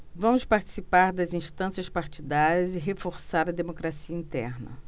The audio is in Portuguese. vamos participar das instâncias partidárias e reforçar a democracia interna